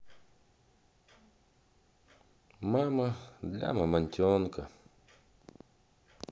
мама для мамонтенка